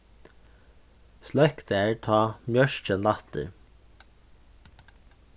sløkk tær tá mjørkin lættir